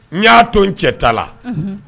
N y'a to n cɛ ta la, unhun